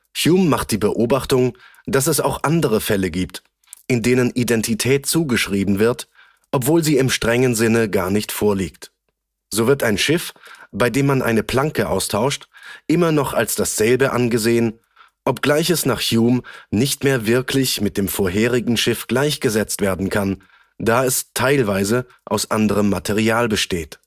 Hume macht die Beobachtung, dass es auch andere Fälle gibt, in denen Identität zugeschrieben wird, obwohl sie im strengen Sinne gar nicht vorliegt. So wird ein Schiff, bei dem man eine Planke austauscht, immer noch als dasselbe angesehen, obgleich es nach Hume nicht mehr wirklich mit dem vorherigen Schiff gleichgesetzt werden kann, da es (teilweise) aus anderem Material besteht